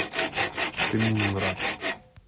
ты мне не враг